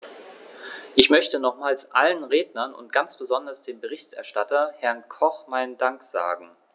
Ich möchte nochmals allen Rednern und ganz besonders dem Berichterstatter, Herrn Koch, meinen Dank sagen.